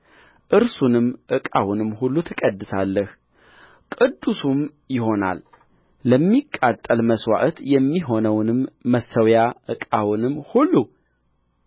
እርሱንም ዕቃውንም ሁሉ ትቀድሳለህ ቅዱስም ይሆናል ለሚቃጠል መሥዋዕት የሚሆነውንም መሠዊያ ዕቃውንም ሁሉ